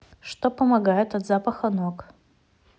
что помогает от запаха ног